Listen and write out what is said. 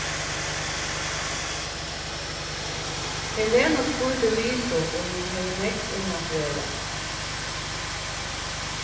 helena spurdi lisu um hon hevði nógv um at vera